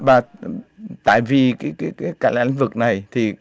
bạt tại vì kí kí kể cả lĩnh vực này thì